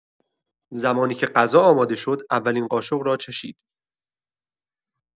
زمانی که غذا آماده شد، اولین قاشق را چشید.